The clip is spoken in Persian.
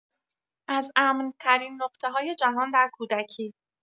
از امن‌ترین نقطه‌های جهان در کودکی